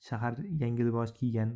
shahar yangi libos kiygan